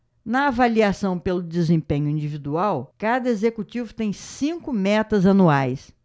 na avaliação pelo desempenho individual cada executivo tem cinco metas anuais